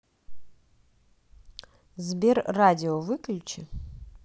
сбер радио выключи